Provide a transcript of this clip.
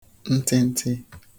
ntịntị